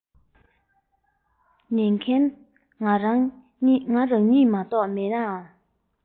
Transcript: ཉན མཁན ང རང ཉིད མ གཏོགས མེད ནའང